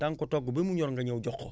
da nga ko togg ba mu ñor nga ñëw jox ko